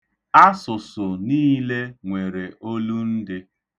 Asụsụ niile nwere olundị.